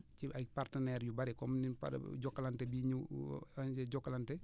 ci ay partenaires yu bëri comme ni par Jokalante bii ñu Jokalante